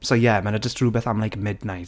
So ie, mae 'na jyst rywbeth am like Midnights.